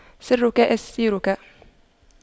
سرك أسيرك